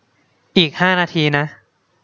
อีกห้านาทีนะ